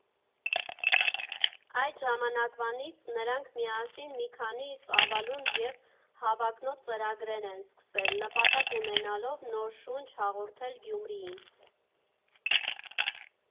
Այդ ժամանակվանից նրանք միասին մի քանի ծավալուն և հավակնոտ ծրագրեր են սկսել՝ նպատակ ունենալով նոր շունչ հաղորդել Գյումրիին։